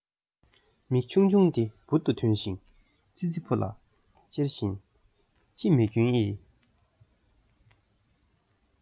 མིག ཆུང ཆུང དེ འབུར དུ ཐོན བཞིན ཙི ཙི ཕོ ལ ཅེར བཞིན ཅི མི སྐྱོན ཨེ